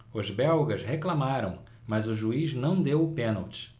os belgas reclamaram mas o juiz não deu o pênalti